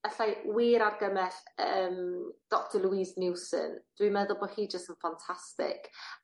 allai wir argymell yym doctor Louis Newsen, dwi meddwl bo' hi jyst yn fantastic.